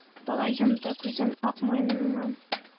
Бала йомды күзен...Ак муеныннан